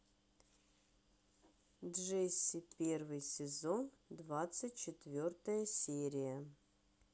джесси первый сезон двадцать четвертая серия